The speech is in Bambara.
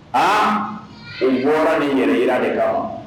Hannn u bɔra ni ɲɛrɛ yira de kama